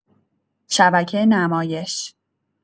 شبکه نمایش